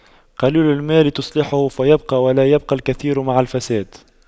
قليل المال تصلحه فيبقى ولا يبقى الكثير مع الفساد